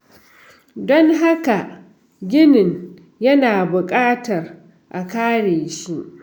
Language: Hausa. Don haka, ginin yana buƙatar a kare shi.